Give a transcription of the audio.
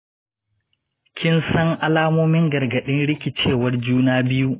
kin san alamomin gargaɗin rikicewar juna biyu?